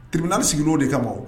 Tribunal sigira o de kama wo